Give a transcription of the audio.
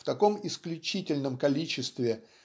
в таком исключительном количестве